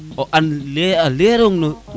o an a lerong